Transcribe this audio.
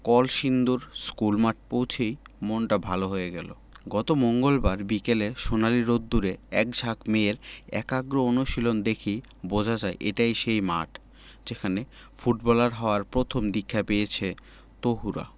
কলসিন্দুর স্কুলমাঠে পৌঁছেই মনটা ভালো হয়ে গেল গত মঙ্গলবার বিকেলে সোনালি রোদ্দুরে একঝাঁক মেয়ের একাগ্র অনুশীলন দেখেই বোঝা যায় এটাই সেই মাঠ যেখানে ফুটবলার হওয়ার প্রথম দীক্ষা পেয়েছে তহুরা